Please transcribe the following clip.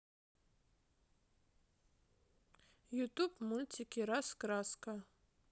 ютуб мультики раскраска